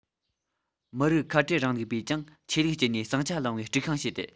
མི རིགས ཁ བྲལ རིང ལུགས པས ཀྱང ཆོས ལུགས སྤྱད ནས ཟིང ཆ སློང བའི དཀྲུག ཤིང བྱས ཏེ